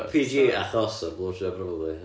PG achos o'r blowjob probably ia